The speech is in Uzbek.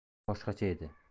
boshqacha edi